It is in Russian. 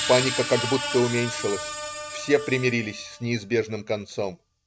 Паника как будто уменьшилась - все примирились с неизбежным концом.